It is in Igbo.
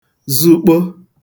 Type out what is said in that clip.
zụkpo